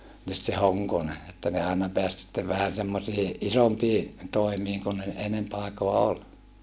nyt se Honkonen että ne aina pääsi sitten vähän semmoisiin isompiin toimiin kuin ne enempi aikaa oli